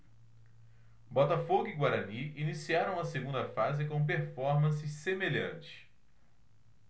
botafogo e guarani iniciaram a segunda fase com performances semelhantes